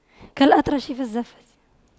كالأطرش في الزَّفَّة